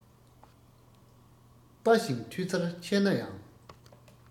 དཔའ ཞིང མཐུ རྩལ ཆེ ན ཡང